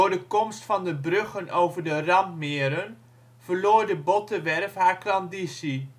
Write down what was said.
de komst van de bruggen over de randmeren verloor de botterwerf haar klandizie